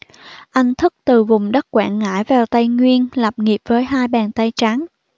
anh thức từ vùng đất quảng ngãi vào tây nguyên lập nghiệp với hai bàn tay trắng